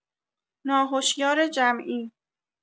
ناهشیار جمعی